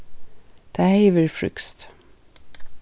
tað hevði verið frískt